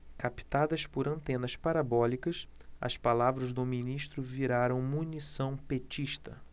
captadas por antenas parabólicas as palavras do ministro viraram munição petista